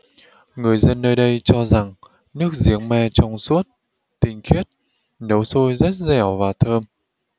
người dân nơi đây cho rằng nước giếng me trong suốt tinh khiết nấu xôi rất dẻo và thơm